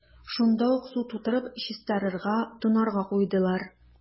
Шунда ук су тутырып, чистарырга – тонарга куйдылар.